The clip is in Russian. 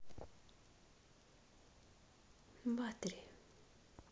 battery